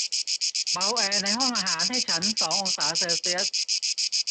เบาแอร์ในห้องอาหารให้ฉันสององศาเซลเซียส